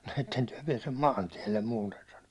no ette te pääse maantielle muuten sanoi